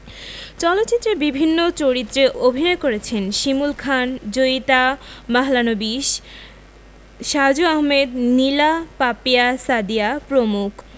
চলচ্চিত্রের বিভিন্ন চরিত্রে অভিনয় করেছেন শিমুল খান জয়িতা মাহলানোবিশ সাজু আহমেদ নীলা পাপিয়া সাদিয়া প্রমুখ